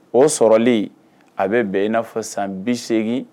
O sɔrɔlen a bɛ bɛn i n'a fɔ san bisegin